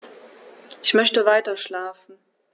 Ich möchte weiterschlafen.